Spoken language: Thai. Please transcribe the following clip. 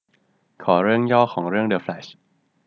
ขอเรื่องย่อของเรื่องเดอะแฟลช